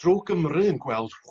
drw Gymru yn gweld